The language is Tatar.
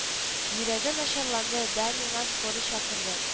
Йөрәге начарланды да мин скорый чакырдым